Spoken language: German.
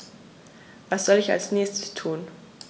Was soll ich als Nächstes tun?